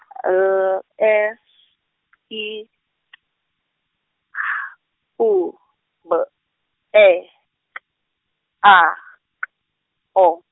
L, E, S, E, C, H, U, B, E, K, A, K, O.